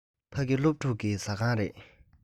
ཕ གི སློབ ཕྲུག གི ཟ ཁང རེད